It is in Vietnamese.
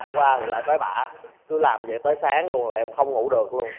qua thì lại với tới bả cứ làm dậy tới sáng luôn là em không ngủ được luôn